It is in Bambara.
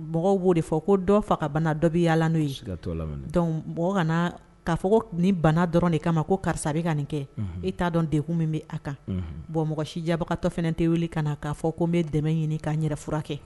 Mɔgɔw b'o de fɔ ko dɔn fa ka bana dɔ bɛ yalala n'o kana' fɔ ni bana dɔrɔn de kama ma ko karisa bɛ ka nin kɛ i t'a dɔn dekun min bɛ a kan bɔn mɔgɔ sijabagatɔ fana tɛ wuli ka na'a fɔ ko n bɛ dɛmɛ ɲini k'a yɛrɛ furakɛ kɛ